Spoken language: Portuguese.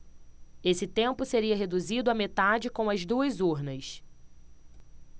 esse tempo seria reduzido à metade com as duas urnas